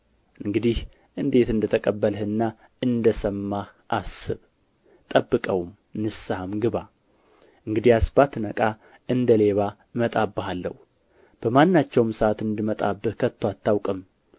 እንግዲህ እንዴት እንደ ተቀበልህና እንደ ሰማህ አስብ ጠብቀውም ንስሐም ግባ እንግዲያስ ባትነቃ እንደ ሌባ እመጣብሃለሁ በማናቸውም ሰዓት እንድመጣብህ ከቶ አታውቅም